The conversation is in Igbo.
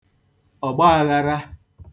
ọ̀gbaāghārā